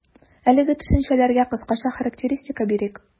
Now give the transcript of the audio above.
Әлеге төшенчәләргә кыскача характеристика бирик.